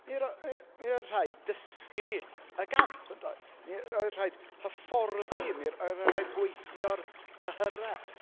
Mi ro- m- mi o'dd rhaid dysgu y gamp, yn doedd. Mi oedd rhaid hyfforddi. Mi r- oedd rh- rhaid gweithio'r cyhyrau.